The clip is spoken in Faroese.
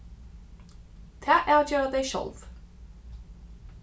tað avgera tey sjálv